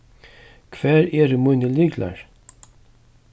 hvar eru mínir lyklar